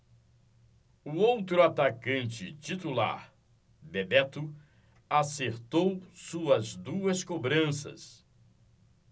o outro atacante titular bebeto acertou suas duas cobranças